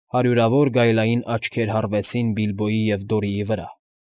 Հարյուրավոր գայլային աչքեր հառվեցին Բիլբոյի և Դորիի վրա։